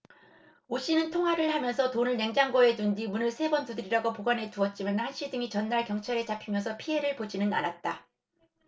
오씨는 통화를 하면서 돈을 냉장고에 둔 뒤 문을 세 번 두드리고 보관해 두었지만 한씨 등이 전날 경찰에 잡히면서 피해를 보지는 않았다